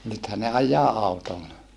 nythän ne ajaa autolla